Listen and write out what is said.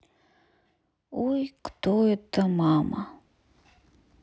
ой кто это мама